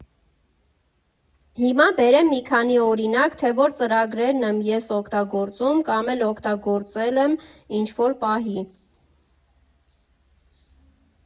Հիմա բերեմ մի քանի օրինակ, թե որ ծրագրերն եմ ես օգտագործում, կամ էլ օգտագործել եմ ինչ֊որ պահի։